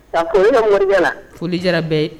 Ka foli kɛ Morikɛ la foli diyara bɛ ye